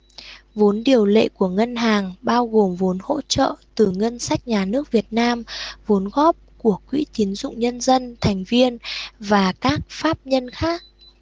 vốn điều lệ của ngân hàng bao gồm vốn hỗ trợ từ ngân sách nhà nước việt nam vốn góp của quỹ tín dụng nhân dân thành viên và các pháp nhân khác